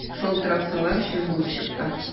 Шалтыратсалар, чын булып чыкты.